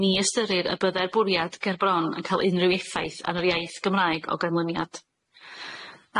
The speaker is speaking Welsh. ni ystyrir y bydde'r bwriad ger bron yn ca'l unrhyw effaith ar yr iaith Gymraeg o ganlyniad.